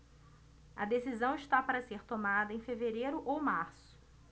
a decisão está para ser tomada em fevereiro ou março